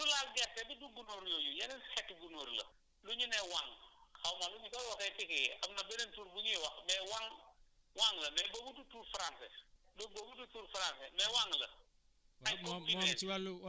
bon gunóor yi du laal gerte bi du gunóor yooyu yeneen xeetu gunóor la suñu nee wànq xaw ma nu ma koy waxee ci kii am na beneen tur bu ñuy wax mais waŋ la mais boobu du tur français tur boobu du tur français mais waŋ la